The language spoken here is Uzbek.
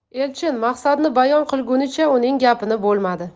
elchin maqsadni bayon qilgunicha uning gapini bo'lmadi